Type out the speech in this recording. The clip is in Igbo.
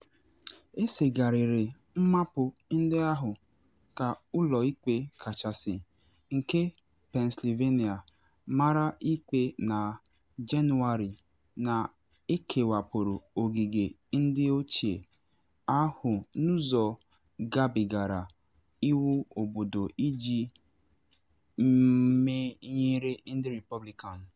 Esegharịrị maapụ ndị ahụ ka Ụlọ Ikpe Kachasị nke Pennsylvania mara ikpe na Jenụwarị na ekewapụrụ ogige ndị ochie ahụ n’ụzọ gabigara iwu obodo iji menyere ndị Repoblikan.